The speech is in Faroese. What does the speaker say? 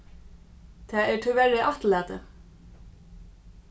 tað er tíverri afturlatið